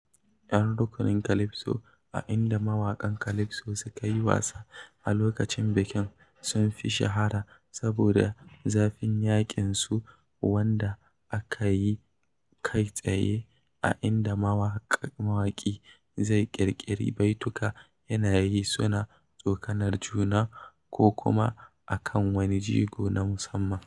Yan rukunin Calypso, a inda mawaƙan Calypso suka yi wasa a lokacin bikin, sun fi shahara saboda "zafin yaƙin" su, wanda ake yi kai tsaye a inda mawaƙi zai ƙirƙiri baituka yana yi suna tsokanar juna, ko kuma a kan wani jigo na musamman.